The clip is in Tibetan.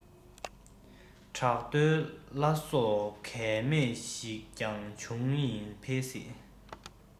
བྲག རྡོའི བླ སྲོག རྒས མེད ཞིག ཀྱང འབྱུང ཞིང འཕེལ སྲིད